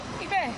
I be?